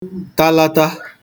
talata